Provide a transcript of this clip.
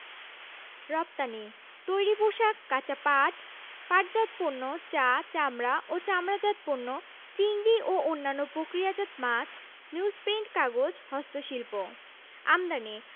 রপ্তানিঃ তৈরি পোশাক কাঁচা পাট ও পাটজাত পণ্য চা চামড়া ও চামড়াজাত পণ্য চিংড়ি ও অন্যান্য প্রক্রিয়াজাত মাছ নিউজপ্রিন্ট কাগজ হস্তশিল্প আমদানি